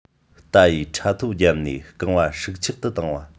རྟ ཡིས འཕྲ ཐོ བརྒྱབ ནས རྐང པ ཧྲུག ཆག ཏུ བཏང བ